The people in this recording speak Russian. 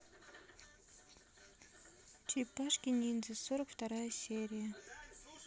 черепашки ниндзя сорок вторая серия